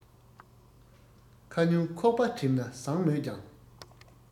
ཁ ཉུང ཁོག པ གྲིམ ན བཟང མོད ཀྱང